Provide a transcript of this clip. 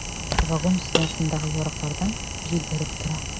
Вагон стенасындагы ярыклардан җил өреп тора.